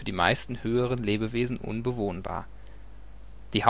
meisten höheren Lebewesen unbewohnbar. Die